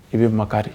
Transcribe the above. I b bɛ makari di